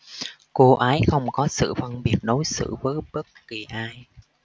cô ấy không có sự phân biệt đối xử với bất kỳ ai